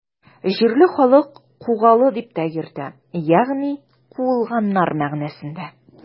Җирле халык Кугалы дип тә йөртә, ягъни “куылганнар” мәгънәсендә.